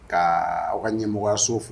Ka aw ka ɲɛmɔgɔya so fo